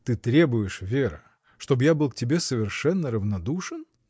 — Ты требуешь, Вера, чтоб я был к тебе совершенно равнодушен?